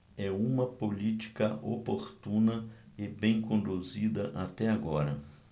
é uma política oportuna e bem conduzida até agora